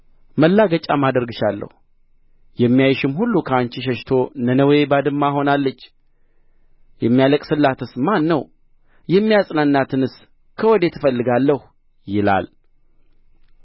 ማላገጫም አደርግሻለሁ የሚያይሽም ሁሉ ከአንቺ ሸሽቶ ነነዌ ባድማ ሆናለች የሚያለቅስላትስ ማን ነው የሚያጽናናትንስ ከወዴት እፈልጋለሁ ይላል